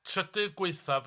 Trydydd Gwaethaf.